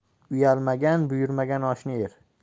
uyalmagan buyurmagan oshni yer